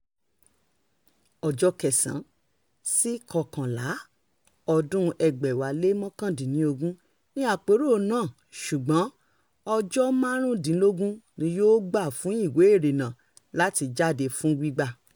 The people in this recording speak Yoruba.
Ọjọ́ 9 sí 11 ọdún-un 2019 ni àpérò náà ṣùgbọ́n ọjọ́ márùnúndínlógún ni yó gbà fún ìwé ìrìnnà láti jáde fún gbígbà.